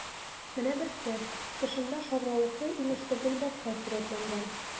Менә берсе: тышында шарлавыклы-инешле гөлбакча сурәтләнгән.